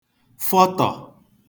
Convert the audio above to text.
fọtọ̀